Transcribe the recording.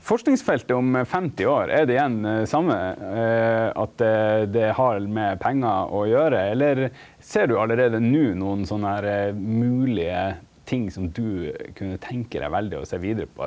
forskingsfeltet om 50 år er det igjen same at det det har med pengar å gjera eller ser du allereie no nokon sånne her moglege ting som du kunne tenke deg veldig å sjå vidare på?